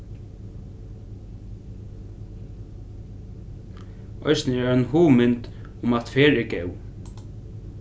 eisini er ein hugmynd um at ferð er góð